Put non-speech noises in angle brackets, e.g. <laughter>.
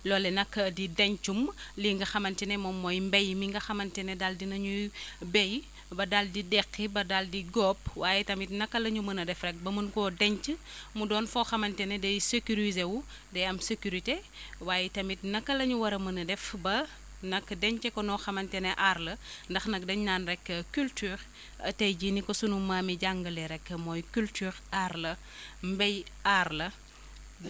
loolee nag di dencum lii nga xamante ne moom mooy mbay mi nga xamante ne daal di nañuy béy ba daal di deqi daal di góob waaye tamit naka la ñuy mën a defee ba mën koo denc <breath> foo xamante ni day sécuriser wu day am sécurité waaye tamit naka la ñuy war a mën a def ba nag dencee ko noo xamante ne aar la <breath> ndax nag dañu naan rek culture tey jii ni ko sunu maam yi jàngalee rek mooy culture aar la <inhales> mbay aar la